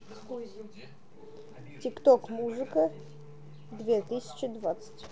тик ток музыка две тысячи двадцать